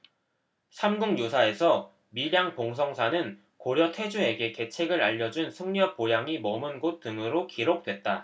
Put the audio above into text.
삼국유사에서 밀양 봉성사는 고려 태조에게 계책을 알려준 승려 보양이 머문 곳 등으로 기록됐다